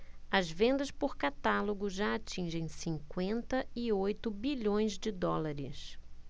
as vendas por catálogo já atingem cinquenta e oito bilhões de dólares